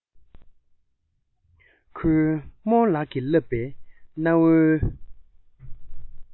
ཁོའི རྨོ ལགས ཀྱིས བསླབས པའི གནའ བོའི